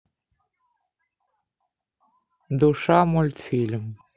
душа мультфильм